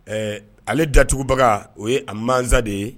Ɛɛ ale datugubaga o ye ma de ye